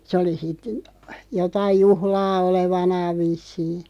se oli sitten jotakin juhlaa olevanaan vissiin